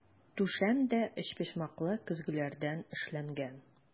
Түшәм дә өчпочмаклы көзгеләрдән эшләнгән.